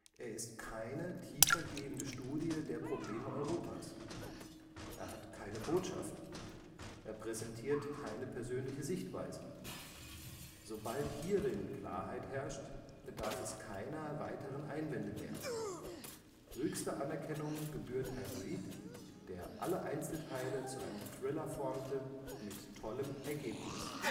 ist keine tiefer gehende Studie der Probleme Europas […] Er hat keine ‚ Botschaft ‘. Er präsentiert keine persönliche Sichtweise. […] Sobald hierin Klarheit herrscht, bedarf es keiner weiteren Einwände mehr. […] Höchste Anerkennung gebührt Herrn Reed, der alle Einzelteile zu einem Thriller formte, mit tollem Ergebnis